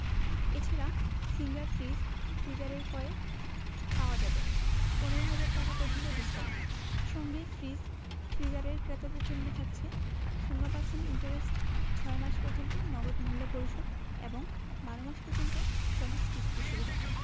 এ ছাড়া Singer fridge freezer ক্রয়ে পাওয়া যাবে ১৫ ০০০ টাকা পর্যন্ত ডিসকাউন্ট সঙ্গে ফ্রিজ/ফ্রিজার ক্রেতাদের জন্য থাকছে ০% ইন্টারেস্টে ৬ মাস পর্যন্ত নগদ মূল্য পরিশোধ এবং ১২ মাস পর্যন্ত সহজ কিস্তি সুবিধা